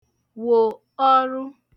wò ọrụ